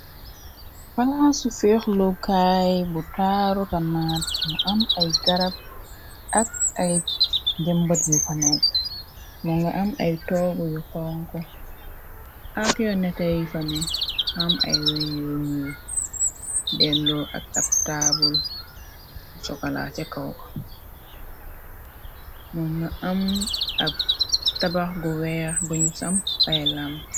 Palansu fiix lu kaay bu taaru tannaat mu am ay garab ak ay jëmbat yu fanak moo nga am ay toog yu xonko ak yo netey fane am ay weñ yuñ dendo ak ab taabul cokala ca kawk moo nga am ab tabax gu weex guñ samp ay lam.